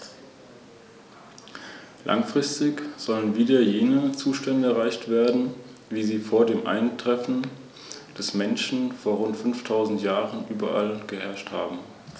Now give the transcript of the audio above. Damit beherrschte Rom den gesamten Mittelmeerraum.